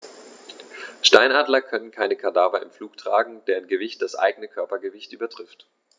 Steinadler können keine Kadaver im Flug tragen, deren Gewicht das eigene Körpergewicht übertrifft.